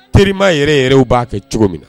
Terima yɛrɛ yɛrɛw b'a kɛ cogo min na